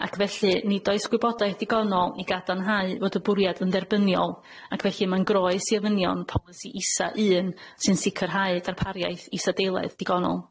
Ac felly nid oes gwybodaeth digonol i gadarnhau fod y bwriad yn dderbyniol ac felly ma'n groes i ofynion polisi isa un sy'n sicrhau darpariaeth isadeilaidd digonol.